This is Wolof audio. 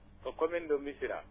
ko commune de Missirah